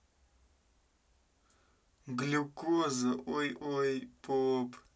глюк'oza ой ой ой pop